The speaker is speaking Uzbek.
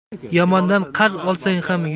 yomondan qarz olsang ham